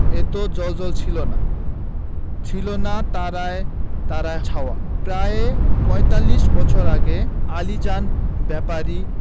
এত জ্বলজ্বলে ছিল না ছিলনা তারায় তারায় ছাওয়া প্রায় পঁয়তাল্লিশ বছর আগে আলীজান ব্যাপারী